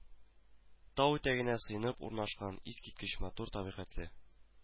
Тау итәгенә сыенып урнашкан, искиткеч матур табигатьле